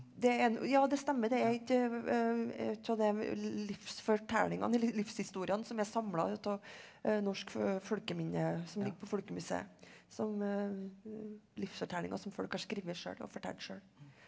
det er en ja det stemmer, det er ikke ut av det livsfortellingene eller livshistoriene som er samla ut av norsk folkeminne som ligger på folkemuseet som livsfortellinger som folk har skrevet sjøl og fortalt sjøl.